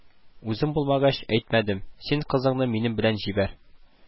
Үзең булмагач, әйтмәдем, син кызыңны минем белән җибәр